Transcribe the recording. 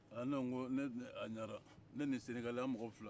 ne ko a ɲɛna ne ni senekalika an mɔgɔ fila